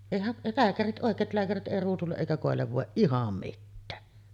eihän lääkärit oikein lääkärit ei ruusulle eikä koille voi ihan mitään